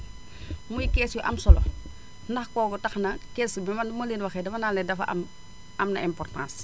muy kees yu am solo ndax kooku tax na kees bi ma bi ma leen waxee dama naan leen dafa am am na importance